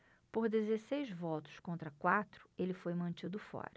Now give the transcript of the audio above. por dezesseis votos contra quatro ele foi mantido fora